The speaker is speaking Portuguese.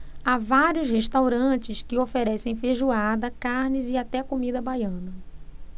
há vários restaurantes que oferecem feijoada carnes e até comida baiana